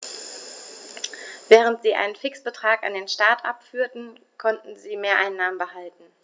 Während sie einen Fixbetrag an den Staat abführten, konnten sie Mehreinnahmen behalten.